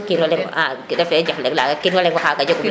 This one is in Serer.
kino leŋxa a refe jaf leŋ laga o kino leŋo xanga jegum